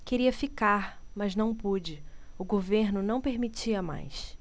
queria ficar mas não pude o governo não permitia mais